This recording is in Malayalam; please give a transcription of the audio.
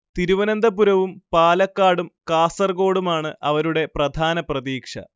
തിരുവനന്തപുരവും പാലക്കാടും കാസർകോഡുമാണ് അവരുടെ പ്രധാന പ്രതീക്ഷ